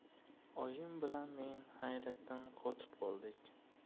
oyim bilan men hayratdan qotib qoldik